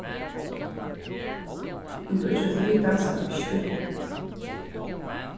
um tú ikki vilt vita skalt tú ikki spyrja